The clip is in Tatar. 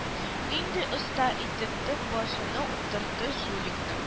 Нинди оста итеп төп башына утыртты жуликны